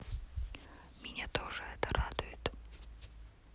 меня тоже это радует